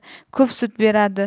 ko'p sut beradi